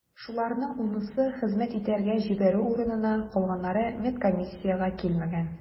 Шуларның унысы хезмәт итәргә җибәрү урынына, калганнары медкомиссиягә килмәгән.